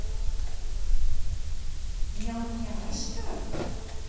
нямняшка